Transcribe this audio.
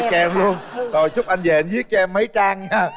kèo luôn rồi chút anh về anh viết cho em mấy trang nha